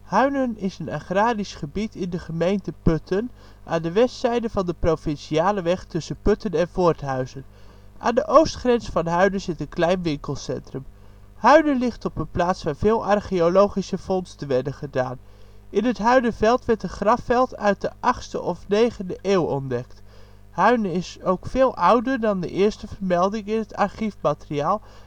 Huinen is een agrarisch gebied in de gemeente Putten, aan de westzijde van de provinciale weg tussen Putten en Voorthuizen. Aan de oostgrens van Huinen zit een klein winkelcentrum. Huinen ligt op een plaats waar veel archeologische vondsten werden gedaan. In het Huinerveld werd een grafveld uit de 8e of 9e eeuw ontdekt. Huinen is ook veel ouder dan de eerste vermelding in het archiefmateriaal